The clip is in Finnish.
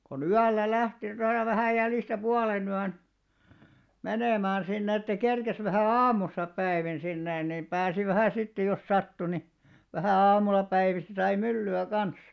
kun yöllä lähti noin jo vähän jäljestä puolenyön menemään sinne että kerkesi vähän aamussa päivin sinne niin pääsi vähän sitten jos sattui niin vähän aamulla päivistä sai myllyä kanssa